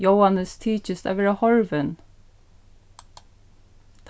jóannes tykist at vera horvin